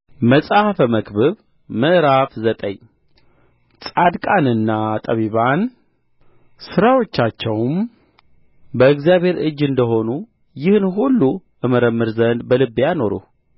መጽሐፈ መክብብ ምዕራፍ ዘጠኝ ጻድቃንና ጠቢባን ሥራዎቻቸውም በእግዚአብሔር እጅ እንደ ሆኑ ይህን ሁሉ እመረምር ዘንድ በልቤ አኖርሁ